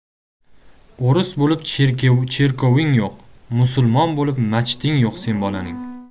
o'ris bo'lib cherkoving yo'q musulmon bo'lib machiting yo'q san bolaning